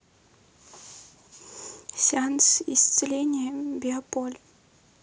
сеанс исцеления биополя